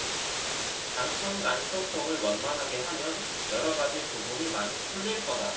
당청간 소통을 원만하게 하면 여러가지 부분이 많이 풀릴거다